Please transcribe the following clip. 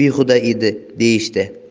behuda edi deyishdi